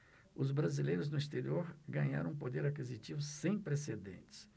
os brasileiros no exterior ganharam um poder aquisitivo sem precedentes